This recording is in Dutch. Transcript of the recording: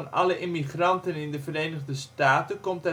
alle immigranten in de Verenigde Staten komt